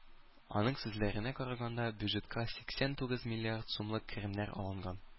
Аның сүзләренә караганда, бюджетка сиксән тугыз миллиард сумлык керемнәр алынган.